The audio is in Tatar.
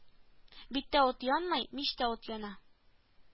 Биттә ут янмый, мичтә ут яна